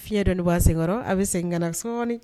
Fiɲɛ dɔɔnin bɔ an senkɔrɔ an bɛ segin ka na sɔɔnin